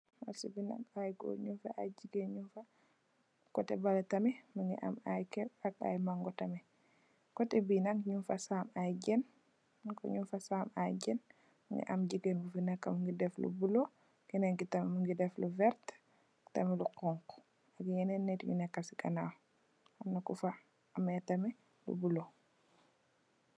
Marceh bii mom aiiy gorre njung fa aiiy gigain njung fa, coteh behleh tamit mungy am aiiy kerr ak aiiy mango tamit, coteh bii nak njung fa saamm aiiy jeun, manekor njung fa saamm aiiy jeun, mungy am gigain bufi neka mungy deff lu bleu, kenen kii tamit mungy deff lu vert, tamit lu khonku, am yenen nitt yu neka cii ganaw, amna kufa ameh tamit lu bleu.